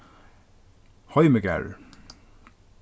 heimigarður